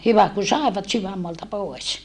hyvä kun saivat sydänmaalta pois